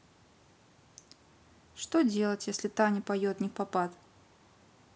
что делать если таня поет не в попад